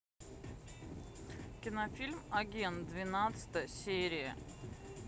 кинофильм агент двенадцатая серия